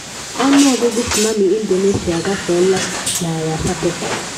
Ọnụọgụ Tsunami Indonesia Agafeela 800.